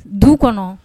Du kɔnɔ